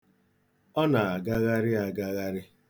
Ọ na-agagharị agagharị.